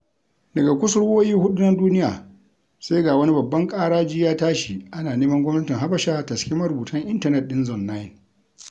Daga kusurwoyi huɗu na duniya, sai ga wani babban ƙaraji ya tashi ana neman gwamnatin Habasha ta saki marubutan intanet ɗin Zone9.